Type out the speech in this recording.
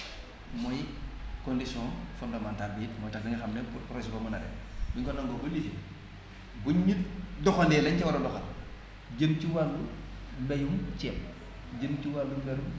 mooy condition fondamental bi it mooy tax di nga xam ne pour projet boobu mën a dem bu ñu ko nangoo ba lifin bu nit doxalee lañ ca war a doxaljëm ci wàllu mbayum ceeb jëm ci wàllu mbayum